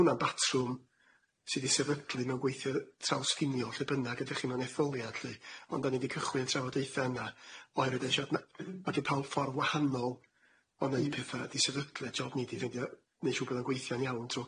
hwnna'n batrwm sy di sefydlu mewn gweithio trawsffiniol lle bynnag ydech chi mewn etholiad lly ond dan ni di cychwyn trafodaetha yna oherwydd ansio- ma' ma' gen pawb ffor wahanol o neud petha i sefydlu y job ni di ffeindio neud siŵr bod o'n gweithio'n iawn tro